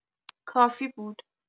کافی بود.